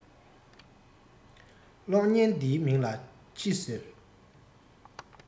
གློག བརྙན འདིའི མིང ལ ཅི ཟེར